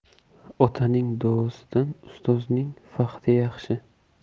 otaning duosidan ustozning faxri yaxshi